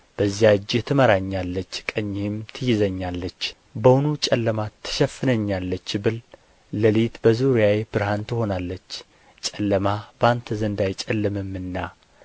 በዚያ እጅህ ትመራኛለች ቀኝህም ትይዘኛለች በውኑ ጨለማ ትሸፍነኛለች ብል ሌሊት በዙሪያዬ ብርሃን ትሆናለች ጨለማ በአንተ ዘንድ አይጨልምምና